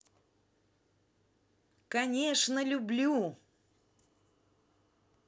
конечно люблю